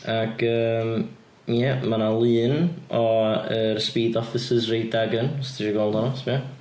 Ac yym ia, mae 'na lun o yr speed officers' radar gun os ti isio gweld o, sbia?